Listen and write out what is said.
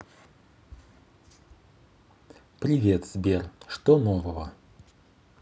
привет сбер что нового